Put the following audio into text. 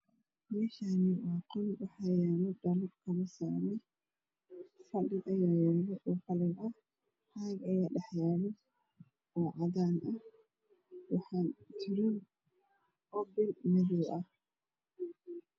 Meshaani waa qol waxaayaalo dhalo amsaami fadhi ayaa yaalo oo qalin ah caag ayaa dhax yaalooo cadaan ahwaxaa jiro abin madow ah